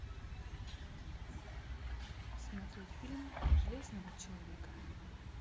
смотреть фильм про железного человека